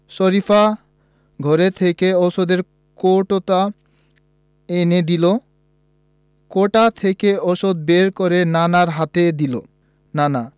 শরিফা ঘর থেকে ঔষধের কৌটোটা এনে দিল কৌটা থেকে ঔষধ বের করে নানার হাতে দিল নানা